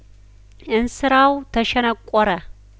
እንስራው ተሸነቆረ